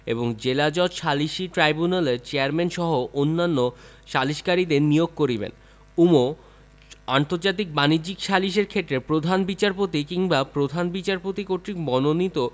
এবং জেলাজজ সালিসী ট্রাইব্যুনালের চেয়ারম্যানসহ অন্যান্য সালিসকারীদের নিয়োগ করিবেন ঙ আন্তর্জাতিক বাণিজ্যিক সালিসের ক্ষেত্রে প্রধান বিচারপতি কিংবা প্রধান বিচারপতি কর্তৃক মনোনীত